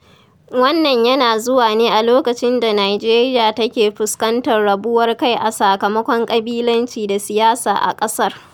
Wannan yana zuwa ne a lokacin da Nijeriya take fuskantar rabuwar kai a sakamakon ƙabilanci da siyasa a ƙasar.